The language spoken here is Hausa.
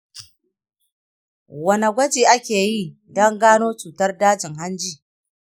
wane gwaji ake yi don gano cutar dajin hanji?